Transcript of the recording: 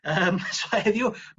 Yym so heddiw